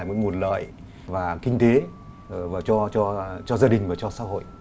cái nguồn lợi và kinh tế và cho cho cho gia đình và cho xã hội